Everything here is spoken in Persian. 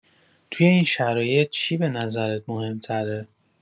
توی این شرایط چی به نظرت مهم‌تره؟